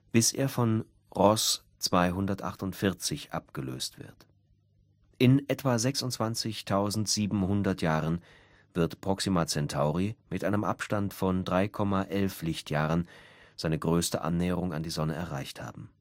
bis er von Ross 248 abgelöst wird. In etwa 26.700 Jahren wird Proxima Centauri mit einem Abstand von 3,11 Lj seine größte Annäherung an die Sonne erreicht haben